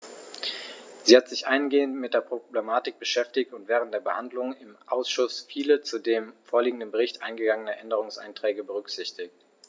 Sie hat sich eingehend mit der Problematik beschäftigt und während der Behandlung im Ausschuss viele zu dem vorliegenden Bericht eingegangene Änderungsanträge berücksichtigt.